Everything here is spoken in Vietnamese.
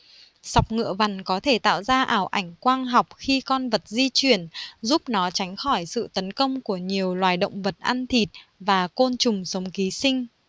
sọc ngựa vằn có thể tạo ra ảo ảnh quang học khi con vật di chuyển giúp nó tránh khỏi sự tấn công của nhiều loại động vật ăn thịt và côn trùng sống ký sinh